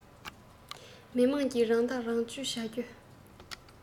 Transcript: མི དམངས ཀྱིས རང ཐག རང གཅོད བྱ རྒྱུ